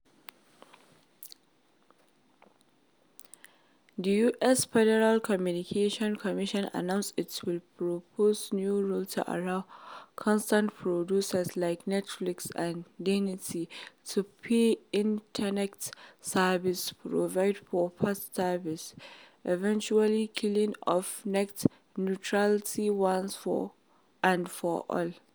The US Federal Communications Commission announced it will propose new rules to allow content producers, like Netflix and Disney, to pay Internet service providers for faster service, effectively killing off net neutrality once and for all.